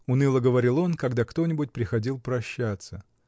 — уныло говорил он, когда кто-нибудь приходил прощаться.